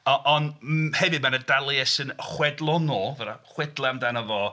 O- ond hefyd m- ma' 'na Dalieisin chwedlonol, ma' 'na chwedlau amdano fo.